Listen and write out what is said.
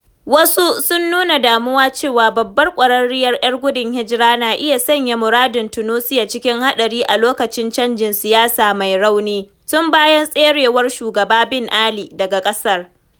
Wasu, sun nuna damuwa cewa babbar kwararar ‘yan gudun hijira na iya sanya muradun Tunisiya cikin haɗari a lokacin canjin siyasa mai rauni tun bayan tserewar Shugaba Ben Ali daga ƙasar.